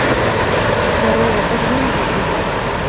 здорово как жизнь братуха